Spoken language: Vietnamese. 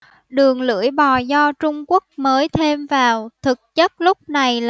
đường lưỡi bò do trung quốc mới thêm vào thực chất lúc này